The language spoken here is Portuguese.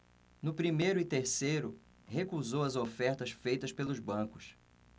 no primeiro e terceiro recusou as ofertas feitas pelos bancos